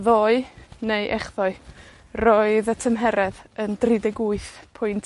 ddoe, neu echddoe, roedd y tymheredd yn dri deg wyth pwynt